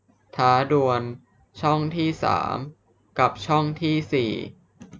ท้าดวลช่องที่สามกับช่องที่สี่